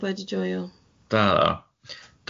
Pawb wedi joio.